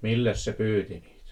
milläs se pyysi niitä